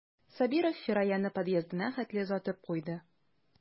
Сабиров Фираяны подъездына хәтле озатып куйды.